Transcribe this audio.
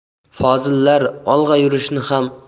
fozillar olg'a yurishni ham